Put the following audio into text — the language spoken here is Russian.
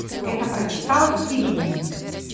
ты это прочитал скибиди